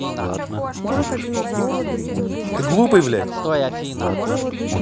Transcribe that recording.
ты глупый блядь